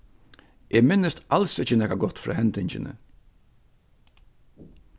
eg minnist als ikki nakað gott frá hendingini